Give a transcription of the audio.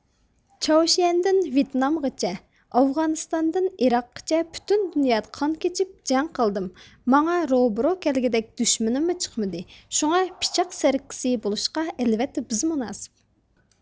چاۋشيەندىن ۋېيتنامغىچە ئافغانىستاندىن ئىراققىچە پۈتۈن دۇنيادا قان كېچىپ جەڭ قىلدىم ماڭا روبىرو كەلگۈدەك دۈشمىنىممۇ چىقمىدى شۇڭا پىچاق سەركىسى بولۇشقا ئەلۋەتتە بىز مۇناسىپ